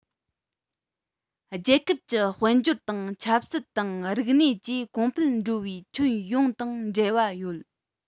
རྒྱལ ཁབ ཀྱི དཔལ འབྱོར དང ཆབ སྲིད དང རིག གནས བཅས གོང འཕེལ འགྲོ བའི ཁྱོན ཡོངས དང འབྲེལ བ ཡོད